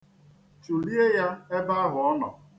Chụlie ya ebe ahụ ọ nọ.